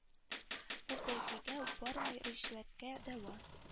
Ул бәйгегә бармы ришвәткә дәва